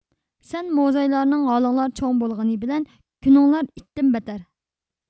سەن موزايلارنىڭ ھالىڭلار چوڭ بولغىنى بىلەن كۈنۈڭلار ئىتتىن بەتتەر